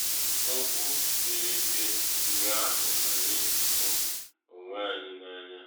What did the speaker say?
Okwu siri ike ‘mgbe ahụ anyị hụ onwe anyị n’anya’